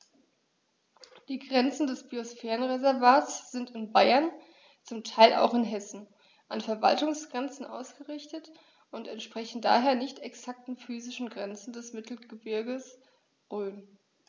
Die Grenzen des Biosphärenreservates sind in Bayern, zum Teil auch in Hessen, an Verwaltungsgrenzen ausgerichtet und entsprechen daher nicht exakten physischen Grenzen des Mittelgebirges Rhön.